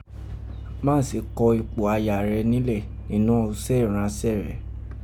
Mase kọ̀ ipò aya rẹ nile ninọ́ usẹ́ iranse rẹ.